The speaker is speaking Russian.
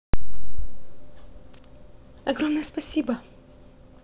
огромное спасибо